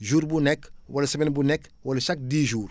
jour bu nekk wala semaine bu nekk wala chaque dix jours